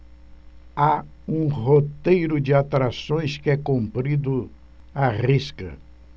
há um roteiro de atrações que é cumprido à risca